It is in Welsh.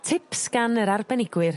Tips gan yr arbenigwyr.